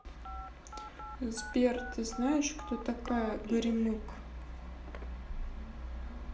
сбер ты знаешь кто такая горемык